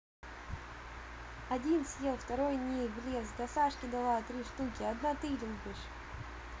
один съел второй ней в лес да сашке дала три штуки одна ты любишь